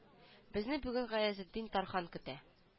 Безне бүген гаязетдин тархан көтә